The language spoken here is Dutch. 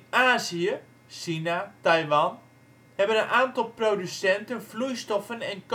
Azië (China, Taiwan) hebben een aantal producenten vloeistoffen en